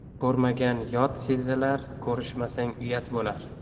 ko'rmagan yot sezilar ko'rishmasang uyat bo'lar